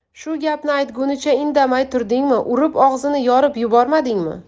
shu gapni aytgunicha indamay turdingmi urib og'zini yorib yubormadingmi